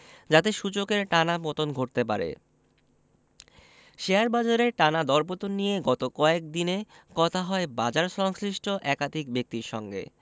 যাতে সূচকের টানা পতন ঘটতে পারে শেয়ার বাজারের টানা দরপতন নিয়ে গত কয়েক দিনে কথা হয় বাজারসংশ্লিষ্ট একাধিক ব্যক্তির সঙ্গে